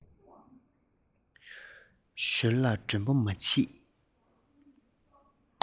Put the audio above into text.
ཞོལ ལ མགྲོན པོ མ མཆིས